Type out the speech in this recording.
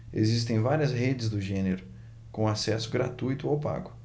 existem várias redes do gênero com acesso gratuito ou pago